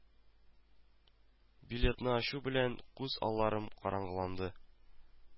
Билетны ачу белән күз алларым караңгыланды